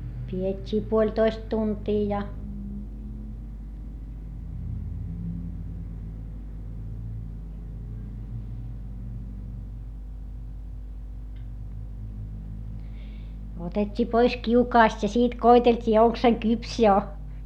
pidettiin puolitoista tuntia ja otettiin pois kiukaasta ja siitä koeteltiin onko se kypsä jo